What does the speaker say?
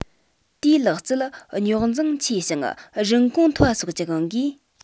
དེའི ལག རྩལ རྙོག འཛིང ཆེ ཞིང རིན གོང མཐོ བ སོགས ཀྱི དབང གིས